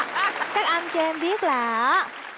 các anh cho em biết là